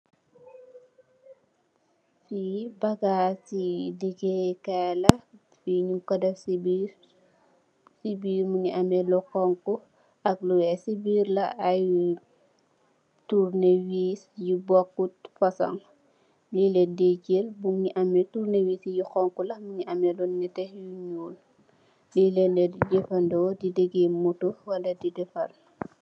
Fii bagaasi leegeyee kaay la, ñung ko def si biir, si biir mu ngi amee lu xoñxu, ak lu weex, si biir la ay turnewiis, yu boocut fasong, lii lañ dee jël, turnewiis, yu xoñxu la, mu ngi amee lu nétté, lu ñuul. Lii lañ de jafëndeko, di legey "motto" Wala di defar.